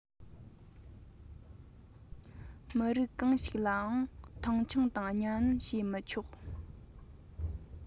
མི རིགས གང ཞིག ལའང མཐོང ཆུང དང གཉའ གནོན བྱས མི ཆོག